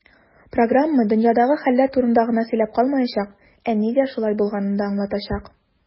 Программа "дөньядагы хәлләр турында гына сөйләп калмаячак, ә нигә шулай булганын да аңлатачак".